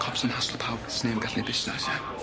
Cops yn hasslo pawb sneb yn gallu neud busnes ia?